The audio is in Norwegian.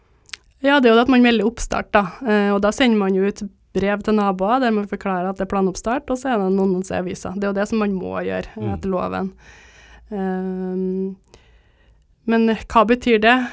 ja det er jo det at man melder oppstart da og da sender man jo ut brev til naboene der man forklarer at det er planoppstart og så er det en annonse i avisen det er det som man må gjøre etter loven men hva betyr det?